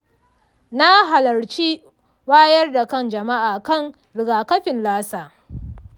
na halarci wayar da kan jama’a kan rigakafin lassa